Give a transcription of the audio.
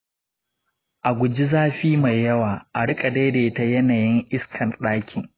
a guji zafi mai yawa; a riƙa daidaita yanayin iskar ɗaki.